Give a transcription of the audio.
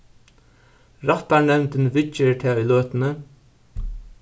rættarnevndin viðger tað í løtuni